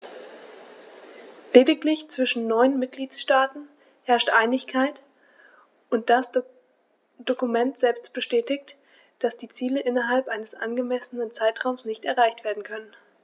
Lediglich zwischen neun Mitgliedsstaaten herrscht Einigkeit, und das Dokument selbst bestätigt, dass die Ziele innerhalb eines angemessenen Zeitraums nicht erreicht werden können.